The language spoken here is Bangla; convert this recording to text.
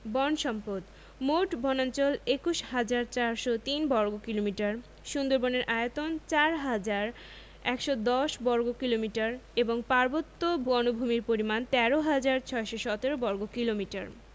বন সম্পদঃ মোট বনাঞ্চল ২১হাজার ৪০৩ বর্গ কিলোমিটার সুন্দরবনের আয়তন ৪হাজার ১১০ বর্গ কিলোমিটার এবং পার্বত্য বনভূমির পরিমাণ ১৩হাজার ৬১৭ বর্গ কিলোমিটার